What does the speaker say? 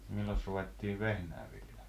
milloinkas ruvettiin vehnää viljelemään